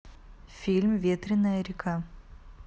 фильм ветренная река